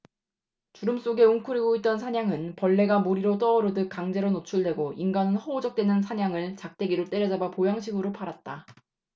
주름 속에 웅크리고 있던 산양은 벌레가 물위로 떠오르듯 강제로 노출되고 인간은 허우적대는 산양을 작대기로 때려잡아 보양식으로 팔았다